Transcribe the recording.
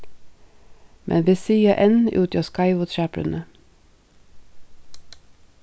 men vit siga enn úti á skeivu træbrúnni